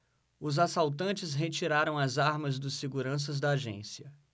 os assaltantes retiraram as armas dos seguranças da agência